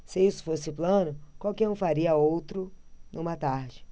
se isso fosse plano qualquer um faria outro numa tarde